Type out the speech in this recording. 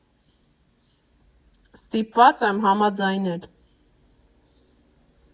Ստիպված եմ համաձայնել։